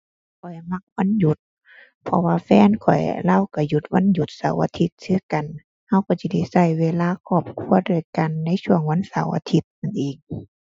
ข้อยมักวันหยุด เพราะว่าแฟนข้อยเลาก็หยุดวันหยุดเสาร์อาทิตย์คือกัน ก็ก็สิได้ก็เวลาครอบครัวด้วยกันในช่วงวันเสาร์อาทิตย์อีก